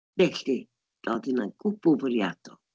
Felly, roedd hynna'n gwbl fwriadol.